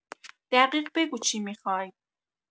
دقیق بگو چی میخوای؟